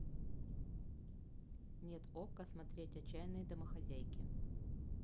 нет окко смотреть отчаянные домохозяйки